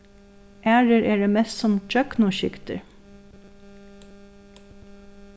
aðrir eru mest sum gjøgnumskygdir